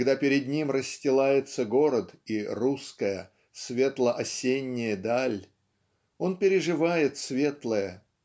когда перед ним расстилается город и "русская светло-осенняя даль" он переживает светлое